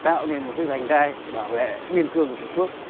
tạo nên một cái vành đai bảo vệ biên cương của tổ quốc